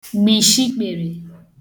gbị̀shi ikpere